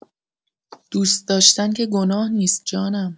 دوست‌داشتن که گناه نیست جانم.